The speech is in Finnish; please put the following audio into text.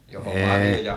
johon marjoja